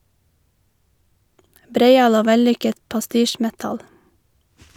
Breial og vellykket pastisjmetal.